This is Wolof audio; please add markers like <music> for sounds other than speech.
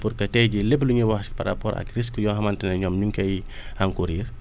pour que tey jii lépp lu ñu wax par rapport ak risque yoo xamante ne ñoom ñu ngi koy <breath> encourir